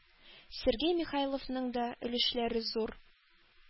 Сергей Михайловның да өлешләре зур.